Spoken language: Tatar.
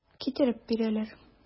Китереп бирәләр.